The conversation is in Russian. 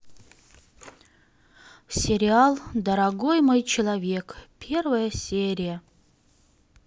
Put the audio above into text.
сериал дорогой мой человек первая серия